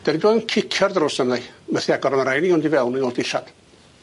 Fedrai'm cicio'r drws 'ma medda 'i methu agor o ma' raid i fi mynd i fewn i ôl dillad.